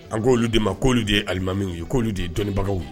An k'olu de ma k'olu de ye alimamiw ye k'olu de ye dɔnnibagaw ye